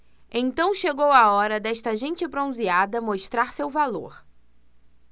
então chegou a hora desta gente bronzeada mostrar seu valor